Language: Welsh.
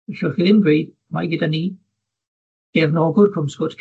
Gellwch chi ddim gweud mai gyda ni gefnogwr Cwm Sgwt